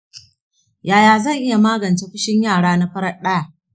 yaya zan iya magance fushin yara na farat ɗaya